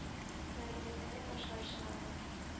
Мәдрәсәне ташлап чыгалар.